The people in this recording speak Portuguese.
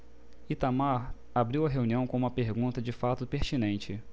itamar abriu a reunião com uma pergunta de fato pertinente